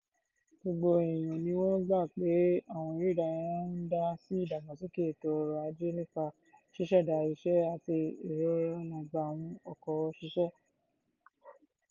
Gbogbo èèyàn ni wọ́n gbà pé àwọn eré ìdárayá ń dá sí ìdàgbàsókè ètò ọrọ̀-ajé nípa ṣíṣẹ̀dá iṣẹ́ àti ìrólágbára àwọn òkòwò ṣíṣe.